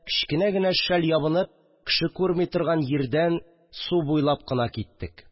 Кечкенә генә шәл ябынып, кеше күрми торган җирдән су буйлап кына киттек